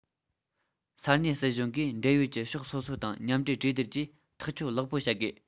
ས གནས སྲིད གཞུང གིས འབྲེལ ཡོད ཀྱི ཕྱོགས སོ སོ དང མཉམ འབྲེལ གྲོས བསྡུར གྱིས ཐག གཅོད ལེགས པོ བྱ དགོས